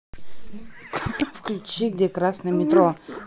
включи где красное метро